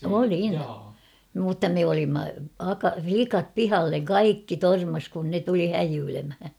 olin mutta me olimme - likat pihalle kaikki törmäsi kun ne tuli häijyilemään